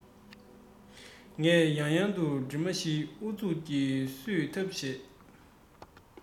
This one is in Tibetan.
ངས ཡང ཡང དུ གྲིབ མ ཞིག ཨུ ཚུགས ཀྱིས བསུབ ཐབས བྱེད